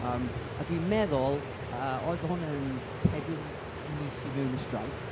yym a dwi'n meddwl, roedd hwn yn pedwar mis i mewn i'r strike.